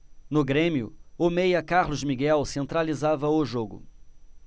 no grêmio o meia carlos miguel centralizava o jogo